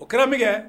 O kɛra min kɛ